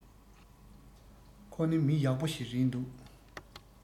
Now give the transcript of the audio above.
ཁོ ནི མི ཡག པོ ཞིག རེད འདུག